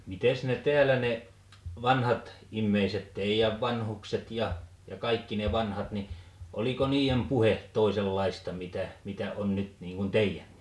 mitenkäs ne täällä ne vanhat ihmiset teidän vanhukset ja ja kaikki ne vanhat niin oliko niiden puheet toisenlaista mitä mitä on nyt niin kuin teidän